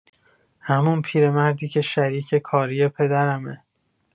همون پیرمردی که شریک کاری پدرمه.